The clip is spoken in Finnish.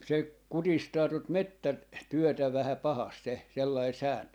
se kutistaa tuota - metsätyötä vähän pahasti se sellainen sääntö